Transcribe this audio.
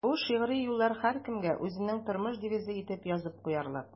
Бу шигъри юллар һәркемгә үзенең тормыш девизы итеп язып куярлык.